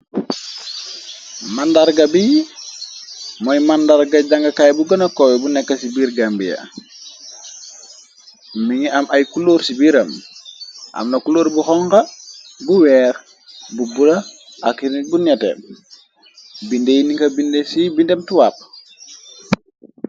Màndarga biy mooy màndarga jangakaay bu gëna koow bu nekk ci biirgambiya mi ngi am ay kulóor ci biiram amna kuloor bu xonga bu weex bu bura ak rnit bu ñete binde yi ninga binde ci bindem tuwapp.